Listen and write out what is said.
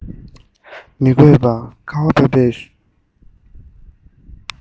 མི དགོས པར ཁ བ འབབ པའི